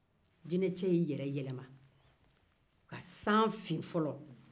jinece yi yɛrɛ yɛlɛma ka san fin fɔlɔ